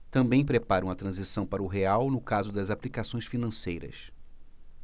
também preparam a transição para o real no caso das aplicações financeiras